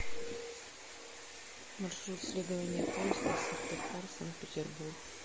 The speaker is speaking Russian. маршрут следования поезда сыктывкар санкт петербург